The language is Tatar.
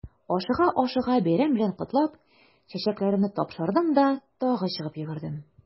Ашыга-ашыга бәйрәм белән котлап, чәчәкләремне тапшырдым да тагы чыгып йөгердем.